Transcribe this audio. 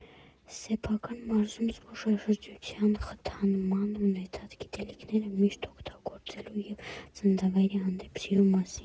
Սեփական մարզում զբոսաշրջության խթանման, ունեցած գիտելիքները ճիշտ օգտագործելու և ծննդավայրի հանդեպ սիրո մասին։